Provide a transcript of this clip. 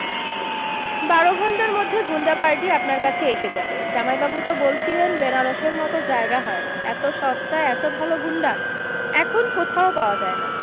বারো ঘন্টার মধ্যে গুণ্ডাপার্টি আপনার কাছে এসে যাবে জামাইবাবু তো বলছিলেন বেনারসের মতো জায়গা হয় না এত সস্তায় এতো ভালো গুণ্ডা এখন কোথাও পাওয়া যায় না